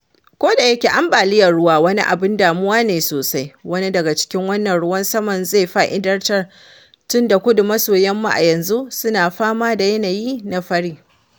Kodayake ambaliyar ruwa wani abin damuwa ne sosai, wani daga cikin wannan ruwan saman zai fa’idantar tun da Kudu-maso-yamma a yanzu yana fama da yanayi na fari.